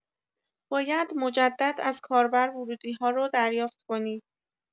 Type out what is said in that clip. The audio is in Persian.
باید مجدد از کاربر ورودی‌ها رو دریافت کنی